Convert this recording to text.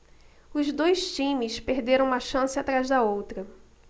os dois times perderam uma chance atrás da outra